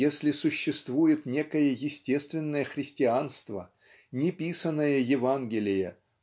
если существует некое естественное христианство неписаное Евангелие